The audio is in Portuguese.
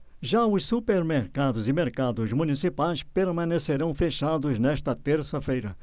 já os supermercados e mercados municipais permanecerão fechados nesta terça-feira